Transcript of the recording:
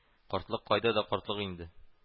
Картлык кайда да картлык инде